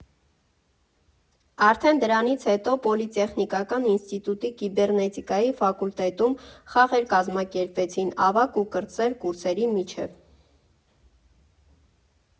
Արդեն դրանից հետո Պոլիտեխնիկական ինստիտուտի կիբեռնետիկայի ֆակուլտետում խաղեր կազմակերպվեցին ավագ ու կրտսեր կուրսերի միջև։